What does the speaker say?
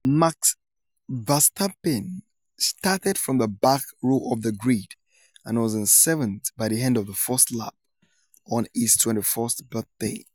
Max Verstappen started from the back row of the grid and was in seventh by the end of the first lap on his 21st birthday.